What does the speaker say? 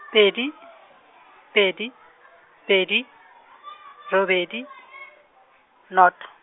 pedi, pedi, pedi, robedi, noto.